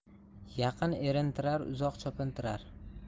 yaqin erintirar uzoq chopintirar